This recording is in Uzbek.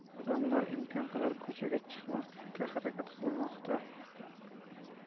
odamlar imkon qadar ko'chaga chiqmaslikka harakat qilmoqda